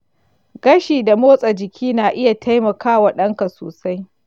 gashi da motsa jiki na iya taimaka wa ɗanka sosai.